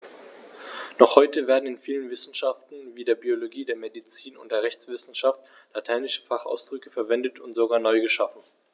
Noch heute werden in vielen Wissenschaften wie der Biologie, der Medizin und der Rechtswissenschaft lateinische Fachausdrücke verwendet und sogar neu geschaffen.